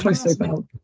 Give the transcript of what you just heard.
Croeso i bawb.